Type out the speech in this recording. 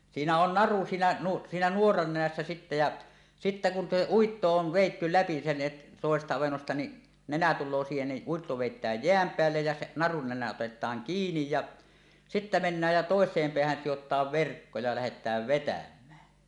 siinä on naru siinä - siinä nuoran nenässä sitten ja sitten kun se uitto on vedetty läpi sen - toisesta avennosta niin nenä tulee siihen niin uitto vedetään jään päälle ja se narun nenä otetaan kiinni ja sitten mennään ja toiseen päähän sidotaan verkko ja lähdetään vetämään